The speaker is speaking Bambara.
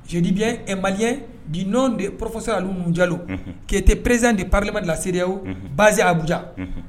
Jedibiyɛn ɛn maliyɛn di nɔ de porofosɛr Jalo kiyetɛ prezan de parleman de la CEDEAO baze a Abuja.